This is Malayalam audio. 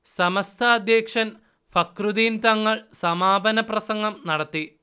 സമസ്ത അധ്യക്ഷൻ ഫഖ്റുദ്ദീൻ തങ്ങൾ സമാപന പ്രസംഗം നടത്തി